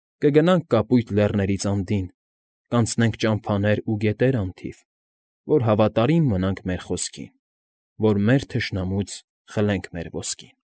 Կգնանք կապույտ լեռներից անդին, Կանցնենք ճամփաներ ու գետեր անթիվ. Որ հավատարիմ մնանք մեր խոսքին, Որ մեր թշնամուց խլենք ոսկին։